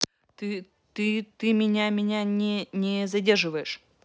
ты ты ты ты мне меня меня меня не не не не задерживаешь